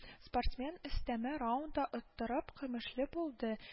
Спортсмен өстәмә раунда оттырып, көмешле булды